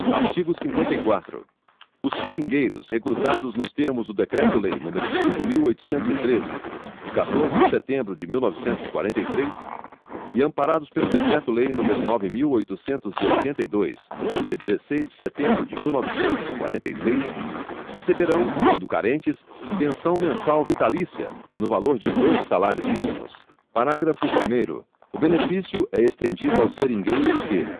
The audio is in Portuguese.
artigo cinquenta e quatro os seringueiros recrutados nos termos do decreto lei número cinco mil oitocentos e treze de catorze de setembro de mil novecentos e quarenta e três e amparados pelo decreto lei número nove mil oitocentos e oitenta e dois de dezesseis de setembro de mil novecentos e quarenta e seis receberão quando carentes pensão mensal vitalícia no valor de dois salários mínimos parágrafo primeiro o benefício é estendido aos seringueiros que